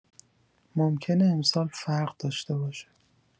ممکنه امسال فرق داشته باشه.